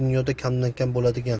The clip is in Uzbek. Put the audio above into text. dunyoda kamdan kam bo'ladigan